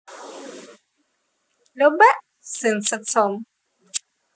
любэ сын с отцом